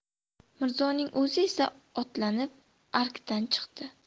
mirzoning o'zi esa otlanib arkdan chiqdi